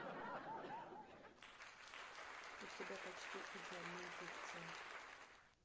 у тебя почти идеальная дикция